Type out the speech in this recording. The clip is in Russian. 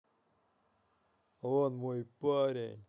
он мой парень